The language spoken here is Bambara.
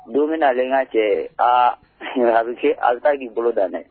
Don bɛna nalen n ka cɛ aa sunjata a bɛ se a bɛ k'i bolo da dɛ